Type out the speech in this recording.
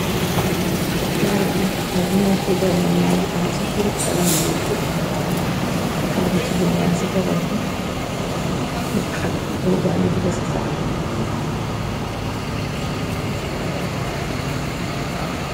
Baay bi ak nayti doomam yangi taxaw ci bunti kanami négg bi. Xalé bu jigéen baang ci perong bi. Been xaléb bu Goor bangi duga ci saako bi.